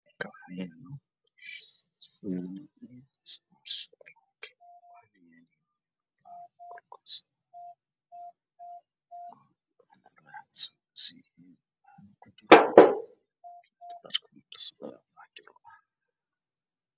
Meeshaan waxaa suran fanaanad iyo surwaalkuu uu gaaban yahay midabkoodana waa madow